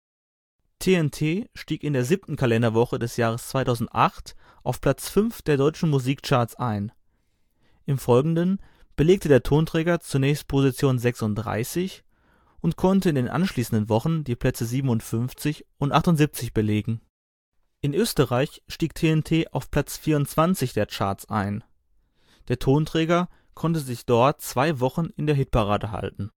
TNT stieg in der siebten Kalenderwoche des Jahrs 2008 auf Platz fünf der deutschen Musik-Charts ein. Im Folgenden belegte der Tonträger zunächst Position 36 und konnte in den anschließenden Wochen die Plätze 57 und 78 belegen. In Österreich stieg TNT auf Platz 24 der Charts ein. Der Tonträger konnte sich dort zwei Wochen in der Hitparade halten